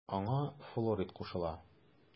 Аңа Флорид кушыла.